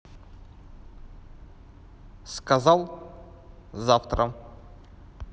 сказал завтра